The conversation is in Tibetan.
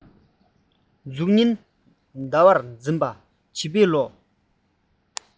གཟུགས བརྙན ཟླ བར འཛིན པ བྱིས པའི བློ